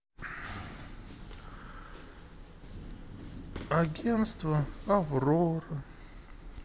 агентство аврора